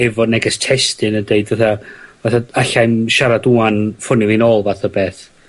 efo neges testun yn deud fatha fatha allai'm siarad ŵan, ffonio fi nôl fath o peth.